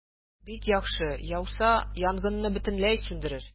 Бик яхшы, яуса, янгынны бөтенләй сүндерер.